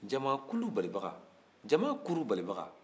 jamakuru balibaga jamakulu balibaga